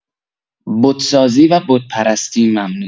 بت سازی و بت‌پرستی ممنوع